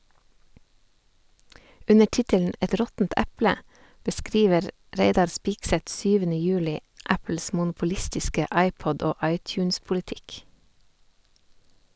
Under tittelen "Et råttent eple" beskriver Reidar Spigseth 7. juli Apples monopolistiske iPod- og iTunes-politikk.